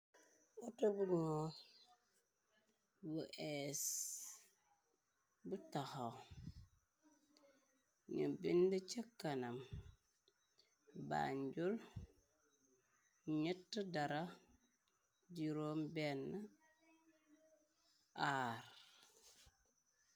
aotobu ñool bu ess bu taxa ñu bind ca kanam bànjul ñett dara jiróom 1 aar.